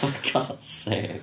For God's sake.